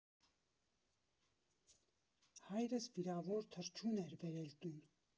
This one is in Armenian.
Հայրս վիրավոր թռչուն էր բերել տուն։